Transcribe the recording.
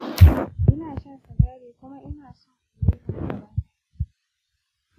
ina shan sigari kuma ina son in daina gaba ɗaya